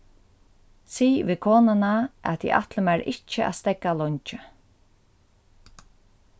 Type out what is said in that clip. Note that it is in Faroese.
sig við konuna at eg ætli mær ikki at steðga leingi